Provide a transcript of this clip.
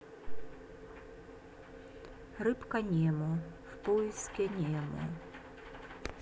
рыбка немо в поиске немо